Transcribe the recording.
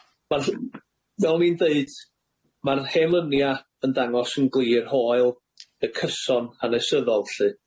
Ma'r ll... Fel o'n i'n deud, ma'r hen lunia yn dangos yn glir hoel y cyson hanesyddol lly.